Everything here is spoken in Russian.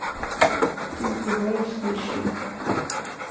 ты издеваешься еще